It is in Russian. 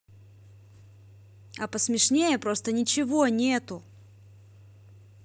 а посмешнее просто ничего нету